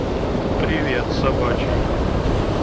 привет собачий